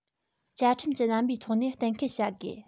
བཅའ ཁྲིམས ཀྱི རྣམ པའི ཐོག ནས གཏན འཁེལ བྱ དགོས